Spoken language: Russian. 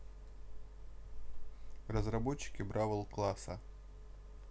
разработчики бравл класса